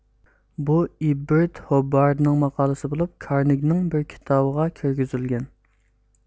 بۇ ئېببېرت ھوبباردنىڭ ماقالىسى بولۇپ كارنىگنىڭ بىر كىتابىغا كىرگۈزۈلگەن